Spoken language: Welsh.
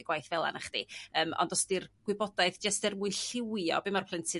y gwaith fel'a nachdi? Yym ond os 'di'r gwybodaeth jyst er mwyn llywio be ma'r plentyn